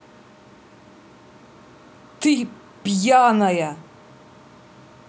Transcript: ты пьяная